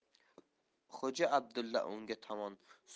xo'ja abdulla unga tomon